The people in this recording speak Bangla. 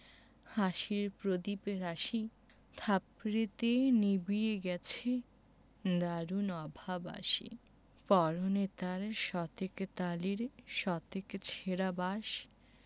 হাসির প্রদীপ রাশি থাপড়েতে নিবিয়ে দেছে দারুণ অভাব আসি পরনে তার শতেক তালির শতেক ছেঁড়া বাস